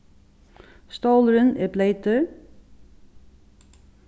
stólurin er bleytur